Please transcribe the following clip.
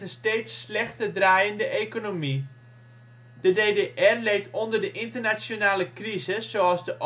steeds slechter draaiende economie. De DDR leed onder de internationale crises zoals de